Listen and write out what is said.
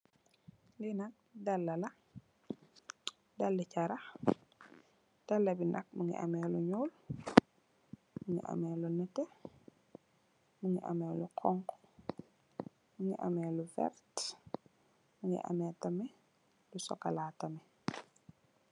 Li nak daal la, daali charah. Daal bi nak mungi ameh lu ñuul, mungi ameh lu nètè, mungi ameh lu honku, mungi ameh lu vert, mungi ameh tamit lu sokola tamit.